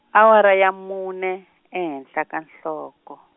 awara ya mune, ehenhla ka nhloko.